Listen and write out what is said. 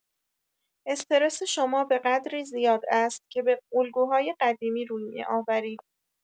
استرس شما به‌قدری زیاد است که به الگوهای قدیمی روی می‌آورید.